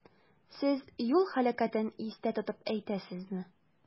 Сез юл һәлакәтен истә тотып әйтәсезме?